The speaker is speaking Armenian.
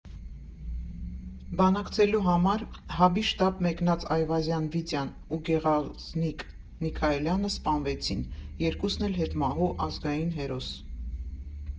Բանակցելու համար ՀԱԲ֊ի շտաբ մեկնած Այվազյան Վիտյան ու Գեղազնիկ Միքայելյանը սպանվեցին (երկուսն էլ՝ հետմահու ազգային հերոս)։